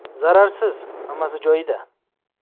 zararsiz hammasi joyida